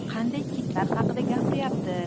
qanday kitlar haqida gapiryapti